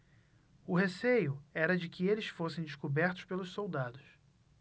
o receio era de que eles fossem descobertos pelos soldados